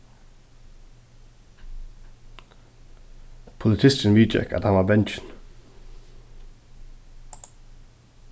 politisturin viðgekk at hann var bangin